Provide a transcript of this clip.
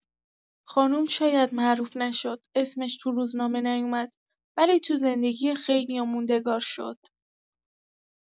خانم شاید معروف نشد، اسمش تو روزنامه نیومد، ولی تو زندگی خیلیا موندگار شد.